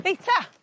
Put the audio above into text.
Reit 'ta.